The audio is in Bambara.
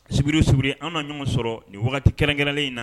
Sigiri sugu an ma ɲɔgɔn sɔrɔ nin kɛrɛnkɛrɛnnen in na